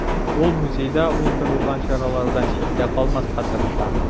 Ул музейда уздырылган чаралардан читтә калмаска тырыша.